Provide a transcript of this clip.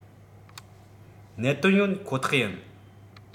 གནད དོན ཡོད ཁོ ཐག ཡིན